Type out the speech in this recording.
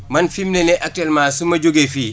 man fi mu ne nii actuellement su ma jógee fii